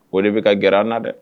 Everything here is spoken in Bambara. O de bɛ ka gɛrɛ an na dɛ.